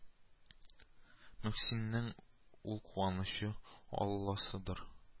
Мөхсиннең ул куанычы, Алласыдыр